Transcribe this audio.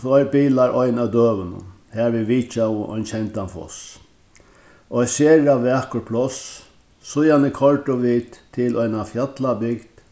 tveir bilar ein av døgunum har vit vitjaðu ein kendan foss eitt sera vakurt pláss síðani koyrdu vit til eina fjallabygd